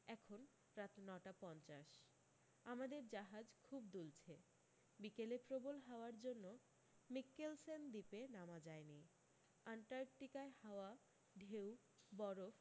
এখন রাত নয়টা পঞ্চাশ আমাদের জাহাজ খুব দুলছে বিকেলে প্রবল হাওয়ার জন্য মিক্কেলসেন দ্বীপে নামা যায়নি আন্টার্কটিকায় হাওয়া ঢেউ বরফ